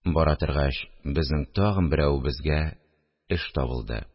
Бара торгач, безнең тагын берәвебезгә эш табылды